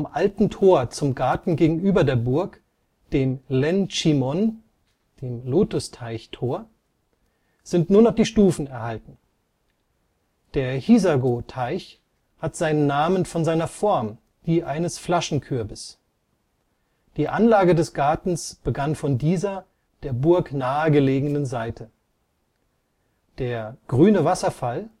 alten Tor zum Garten gegenüber der Burg, dem Renchimon (Lotusteich-Tor), sind nur noch die Stufen erhalten. Der Hisago-Teich hat seinen Namen von seiner Form, die eines Flaschenkürbis. Die Anlage des Gartens begann von dieser, der Burg nahe gelegenen Seite. Der " Grüne Wasserfall